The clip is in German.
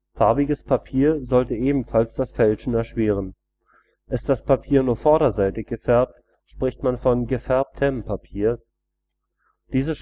Farbiges Papier sollte ebenfalls das Fälschen erschweren. Ist das Papier nur vorderseitig gefärbt, spricht man von gefärbtem Papier. Diese